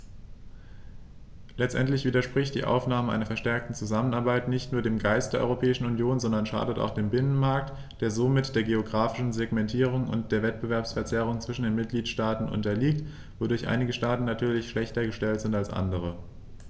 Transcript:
Letztendlich widerspricht die Aufnahme einer verstärkten Zusammenarbeit nicht nur dem Geist der Europäischen Union, sondern schadet auch dem Binnenmarkt, der somit der geographischen Segmentierung und der Wettbewerbsverzerrung zwischen den Mitgliedstaaten unterliegt, wodurch einige Staaten natürlich schlechter gestellt sind als andere.